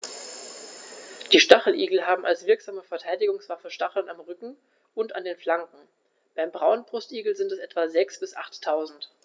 Die Stacheligel haben als wirksame Verteidigungswaffe Stacheln am Rücken und an den Flanken (beim Braunbrustigel sind es etwa sechs- bis achttausend).